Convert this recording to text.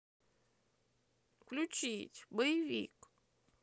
включить боевик